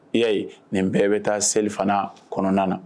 I y yaayi nin bɛɛ bɛ taa selifana kɔnɔna na